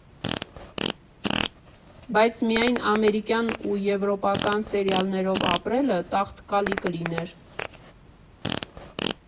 Բայց միայն ամերիկյան ու եվրոպական սերիալներով ապրելը տաղտկալի կլիներ։